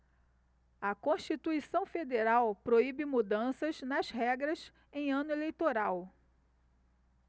a constituição federal proíbe mudanças nas regras em ano eleitoral